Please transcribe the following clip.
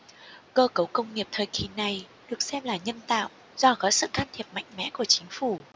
cơ cấu công nghiệp thời kỳ này được xem là nhân tạo do có sự can thiệp mạnh mẽ của chính phủ